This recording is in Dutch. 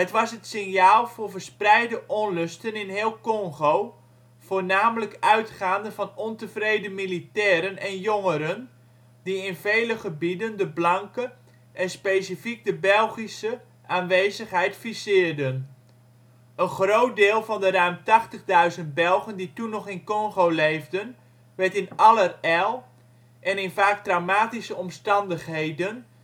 was het signaal voor verspreide onlusten in heel Congo, voornamelijk uitgaande van ontevreden militairen en jongeren, die in vele gebieden de blanke en specifiek de Belgische aanwezigheid viseerden. Een groot deel van de ruim 80.000 Belgen die toen nog in Congo leefden, werd in allerijl, en in vaak traumatische omstandigheden